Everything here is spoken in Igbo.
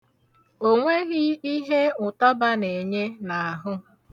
O nweghị ihe ụtaba na-enye n'ahụ.